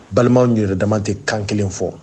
Balimaw yɛrɛ dama de kankelen fɔ